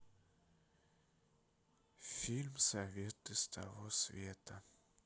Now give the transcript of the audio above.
фильм советы с того света